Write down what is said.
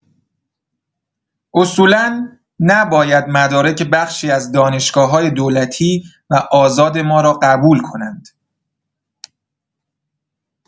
اصولا نباید مدارک بخشی از دانشگاه‌‌های دولتی و آزاد ما رو قبول کنند!